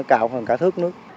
cao hơn cả thước nước